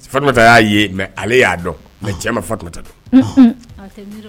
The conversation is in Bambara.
Fa tunta y'a ye mɛ ale y'a dɔn mɛ cɛ ma fatuta don